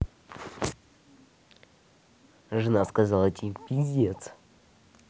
жена сказала тебе пиздец